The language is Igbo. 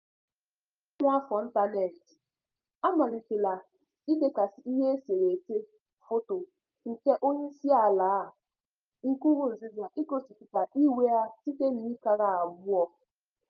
Ụmụafọ n'ịntaneetị a malitela idekasị ihe n'eserese foto nke onyeisiala Nkurunziza n'ịgosipụta iwe ha site n'akara abụọ.